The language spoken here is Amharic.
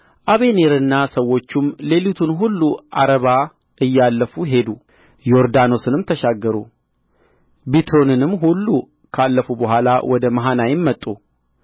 አበኔርና ሰዎቹም ሌሊቱን ሁሉ ዓረባ እያለፉ ሄዱ ዮርዳኖስንም ተሻገሩ ቢትሮንንም ሁሉ ካለፉ በኋላ ወደ መሃናይም መጡ